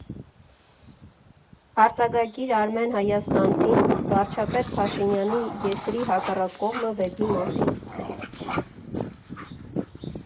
Արձակագիր Արմեն Հայաստանցին՝ վարչապետ Փաշինյանի «Երկրի հակառակ կողմը» վեպի մասին։